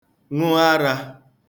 ṅụ arā